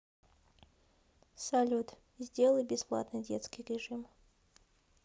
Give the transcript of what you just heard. салют сделай безопасный детский режим